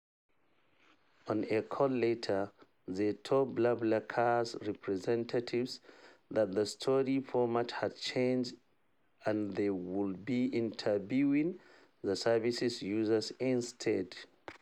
On a call later, they told BlaBlaCar’s representative that the story's format had changed and they would be interviewing the service’s users instead.